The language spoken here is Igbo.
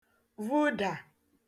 vudà